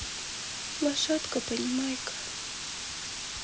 лошадка понимайка